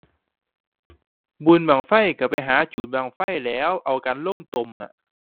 บุญบั้งไฟก็ไปหาจุดบั้งไฟแหล้ว เอากันลงตมอะ